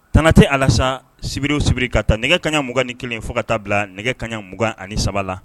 Tan tɛ alasa sibiriw sibiri ka ta nɛgɛ kaɲaugan ni kelen fo ka taa bila nɛgɛ kaɲa 2ugan ani saba la